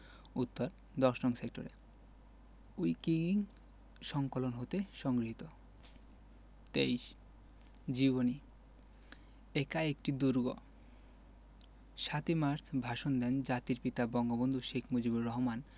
উত্তরঃ ১০নং সেক্টরে উইকিসংকলন হতে সংগৃহীত ২৩ জীবনী একাই একটি দুর্গ ৭ই মার্চ ভাষণ দেন জাতির পিতা বঙ্গবন্ধু শেখ মুজিবুর রহমান